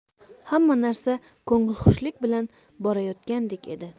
hamma narsa kongilxushlik bilan borayotgandek edi